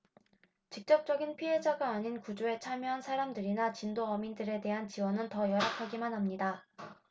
직접적인 피해자가 아닌 구조에 참여한 사람들이나 진도어민들에 대한 지원은 더 열악하기만 합니다